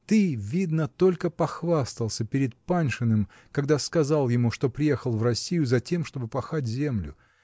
Ты, видно, только похвастался перед Паншиным, когда сказал ему, что приехал в Россию затем, чтобы пахать землю